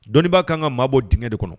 Dɔnni baa kan ka maa bɔ dingɛ de kɔnɔ.